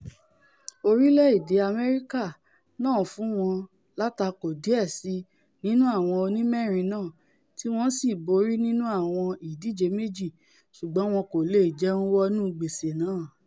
orílẹ̀-èdè U.S. náà fún wọn látakò díẹ̀ síi nínú àwọn onímẹ́rin náà, tíwọ́n sì borí nínú àwọn ìdíje méjì, ṣùgbọ́n wọn kò leè jẹun wọnú gbèsè náà.